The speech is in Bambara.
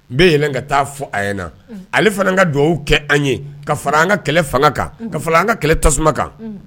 N bɛ yɛlɛn ka taa fɔ ɲɛna ale fana ka dugawu kɛ an ye . Ka fara an ka kɛlɛ fanga kan ka fara an ka kɛlɛ tasuma kan.